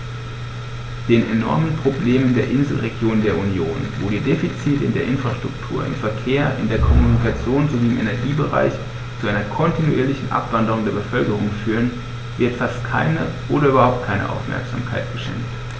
Den enormen Problemen der Inselregionen der Union, wo die Defizite in der Infrastruktur, im Verkehr, in der Kommunikation sowie im Energiebereich zu einer kontinuierlichen Abwanderung der Bevölkerung führen, wird fast keine oder überhaupt keine Aufmerksamkeit geschenkt.